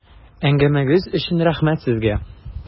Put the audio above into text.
Әңгәмәгез өчен рәхмәт сезгә!